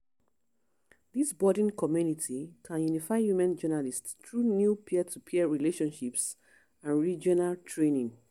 This budding community can unify women journalists through new peer-to-peer relationships and regional training.